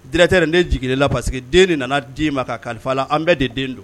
Dtɛ nin n den jigin la parceri que den de nana d'i ma ka kalifa la an bɛɛ de den don